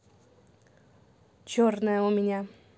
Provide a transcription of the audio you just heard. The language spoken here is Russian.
черная у меня